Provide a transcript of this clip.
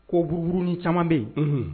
Kobuurununi caman bɛ yen